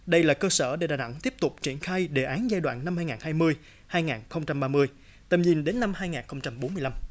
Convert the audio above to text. đây là cơ sở để đà nẵng tiếp tục triển khai đề án giai đoạn năm hai ngàn hai mươi hai ngàn không trăm ba mươi tầm nhìn đến năm hai ngàn không trăm bốn mươi lăm